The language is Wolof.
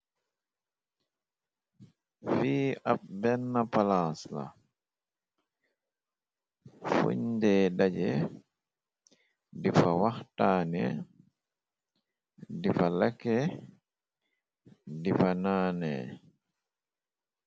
Fii ab benn palas la, funde daje, di fa waxtaane, di fa lakke, di fa naanee.